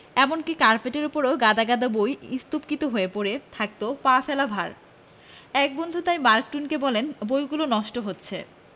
এমনকি কার্পেটের উপরও গাদা গাদা বই স্তূপীকৃত হয়ে পড়ে থাকত পা ফেলা ভার এক বন্ধু তাই মার্ক টুয়েনকে বললেন বইগুলো নষ্ট হচ্ছে